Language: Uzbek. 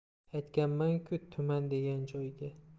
aytganman ku tuman degan joyga